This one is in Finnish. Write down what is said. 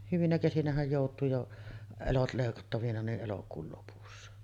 hyvinä kesinähän joutuu jo elot leikattavina niin elokuun lopussa